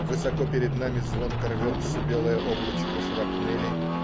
Высоко перед нами звонко рвется белое облачко шрапнели.